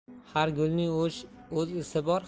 har gulning o'z isi bor